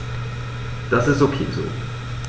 Das ist ok so.